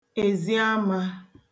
ezi amā